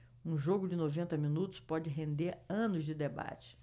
um jogo de noventa minutos pode render anos de debate